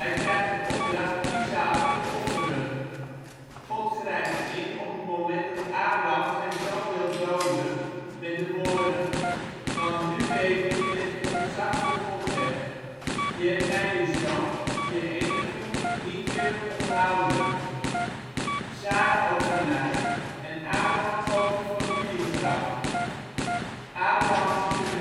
krijgt de opdracht Izaäk te offeren. God grijpt in op het moment dat Abraham zijn zoon wil doden met de woorden: ' Want nu weet ik dat je ontzag voor God hebt: je hebt mij je zoon, je enige, niet willen onthouden '. Sara overlijdt en Abraham koopt een familiegraf. Abraham stuurt